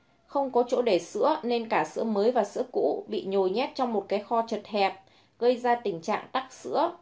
không có chỗ chứa nên cả sữa mới và sữa cũ bị nhồi nhét trong cái kho chật hẹp gây ra tình trạng tắc sữa